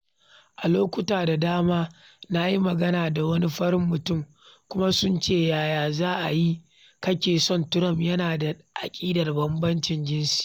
"A lokuta da dama na yi magana da wani farin mutum kuma sun ce: "Yaya za a yi kake son Trump, yana da aƙidar bambancin jinsi?"